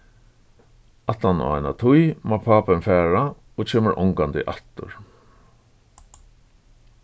aftan á eina tíð má pápin fara og kemur ongantíð aftur